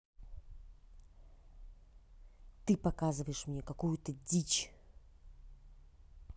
ты показываешь мне какую то дичь